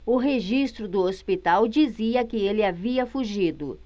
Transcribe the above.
o registro do hospital dizia que ele havia fugido